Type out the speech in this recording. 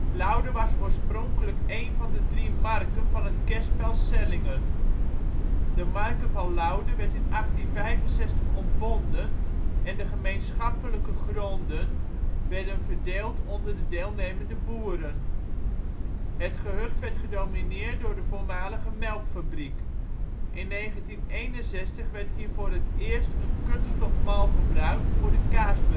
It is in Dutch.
Laude was oorspronkelijk een van de drie marken van het kerspel Sellingen. De marke van Laude werd in 1865 ontbonden en de gemeenschappelijk gronden werden verdeeld onder de deelnemende boeren. Het gehucht wordt gedomineerd door de voormalige melkfabriek. In 1961 werd hier voor het eerst een kunststof mal gebruikt voor de kaasbereiding. De